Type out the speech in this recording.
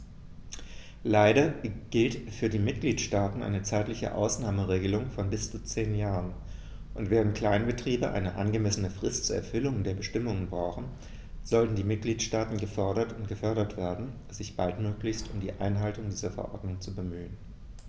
Leider gilt für die Mitgliedstaaten eine zeitliche Ausnahmeregelung von bis zu zehn Jahren, und, während Kleinbetriebe eine angemessene Frist zur Erfüllung der Bestimmungen brauchen, sollten die Mitgliedstaaten gefordert und gefördert werden, sich baldmöglichst um die Einhaltung dieser Verordnung zu bemühen.